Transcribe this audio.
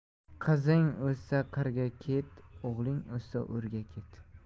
qizing o'ssa qirga ket o'g'ling o'ssa o'rga ket